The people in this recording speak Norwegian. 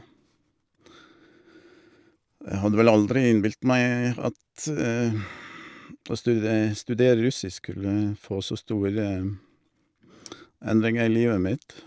Jeg hadde vel aldri innbilt meg at å stude studere russisk skulle få så store endringer i livet mitt.